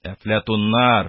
Әфлатуннар,